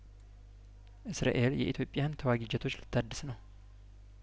እስራኤል የኢትዮጵያን ተዋጊ ጄቶች ልታድስ ነው